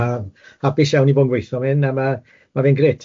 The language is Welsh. Yy hapus iawn i bo' yn gweitho f'hyn a ma' ma' fe'n grêt.